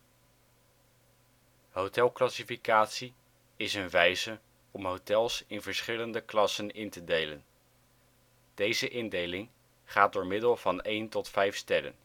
Hotelclassificatie is een wijze om hotels in verschillende klassen in te delen. Deze indeling gaat door middel van één tot vijf sterren